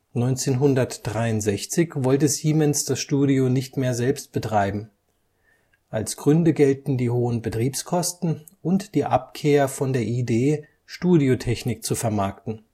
1963 wollte Siemens das Studio nicht mehr selbst betreiben, als Gründe gelten die hohen Betriebskosten und die Abkehr von der Idee, Studiotechnik zu vermarkten